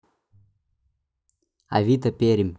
авито пермь